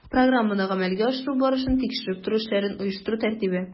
Программаны гамәлгә ашыру барышын тикшереп тору эшләрен оештыру тәртибе